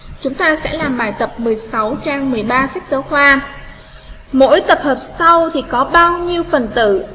chúng ta sẽ làm bài tập trang sách giáo khoa mỗi tập hợp sau thì có bao nhiêu phần tử